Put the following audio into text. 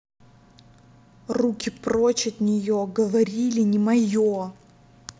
руки прочь от нее говорили не мое